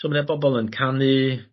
so ma' 'na bobol yn canu